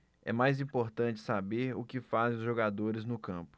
é mais importante saber o que fazem os jogadores no campo